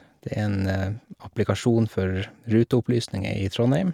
Det er en applikasjon for ruteopplysninger i Trondheim.